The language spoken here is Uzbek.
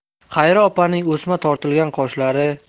xayri opaning o'sma tortilgan qoshlari